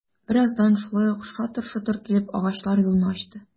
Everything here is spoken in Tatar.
Бераздан шулай ук шатыр-шотыр килеп, агачлар юлны ачты...